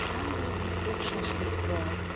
qandaydir o'xshashlik bor